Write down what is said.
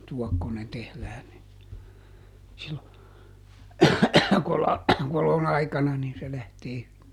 tuokkonen tehdään niin silloin kolan kolon aikana niin se lähtee hyvin